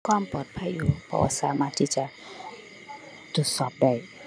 ความปลอดภัยอยู่เพราะว่าสามารถที่จะตรวจสอบได้